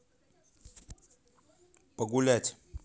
погулять